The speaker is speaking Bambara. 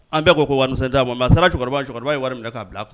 An bɛɛ ko ko wali'a ma sara cɛkɔrɔba cɛkɔrɔba ye wari min minɛ k'a bila